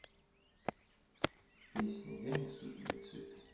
песня я несу тебе цветы